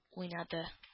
Уйнады